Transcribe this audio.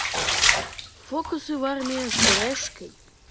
фокусы в армии с пюрешкой